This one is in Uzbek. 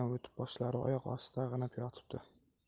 o'tib boshlari oyoq ostida ag'anab yotibdi